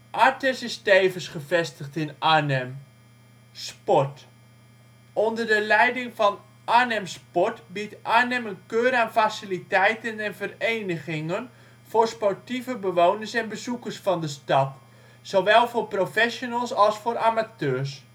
ArtEZ is tevens gevestigd in Arnhem. GelreDome tijdens een wedstrijd van Vitesse Onder de leiding van Arnhem Sport, biedt Arnhem een keur aan faciliteiten en verenigingen voor sportieve bewoners en bezoekers van de stad; zowel voor professionals als voor amateurs